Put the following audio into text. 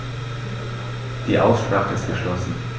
Die Aussprache ist geschlossen.